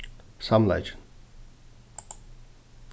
samleikin